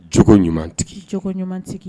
Cogo ɲuman tigi cogoɲumantigi